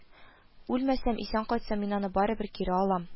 Үлмәсәм, исән кайтсам, мин аны барыбер кире алам